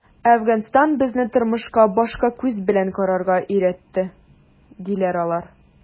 “әфганстан безне тормышка башка күз белән карарга өйрәтте”, - диләр алар.